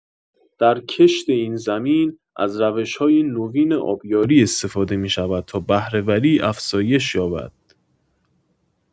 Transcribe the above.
در کشت این زمین، از روش‌های نوین آبیاری استفاده می‌شود تا بهره‌وری افزایش یابد.